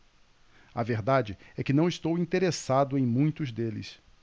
a verdade é que não estou interessado em muitos deles